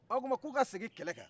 o tuma k'u ka segin kɛlɛ kan